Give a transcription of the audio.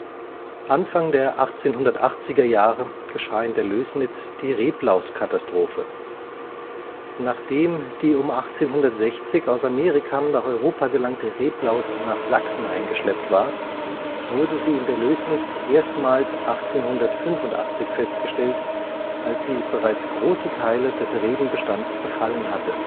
Anfang der 1880er Jahre geschah in der Lößnitz die Reblauskatastrophe. Nachdem die um 1860 aus Amerika nach Europa gelangte Reblaus nach Sachsen eingeschleppt war, wurde sie in der Lößnitz erstmals 1885 festgestellt, als sie bereits große Teile des Rebenbestands befallen hatte